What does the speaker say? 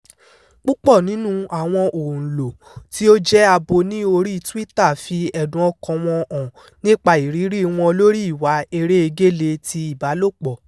Púpọ̀ nínú àwọn òǹlò tí ó jẹ́ abo ní oríi Twitter fi ẹ̀dùn ọkàn-an wọn hàn nípa ìríríi wọn lóríi ìwà erée gélé ti ìbálòpọ̀: